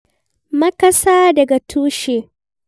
Makasa daga tushe